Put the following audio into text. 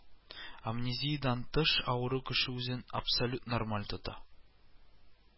Амнезиядән тыш, авыру кеше үзен абсолют нормаль тота